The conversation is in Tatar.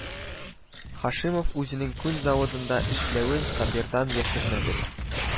Һашимов үзенең күн заводында эшләвен Сабир-дан яшермәде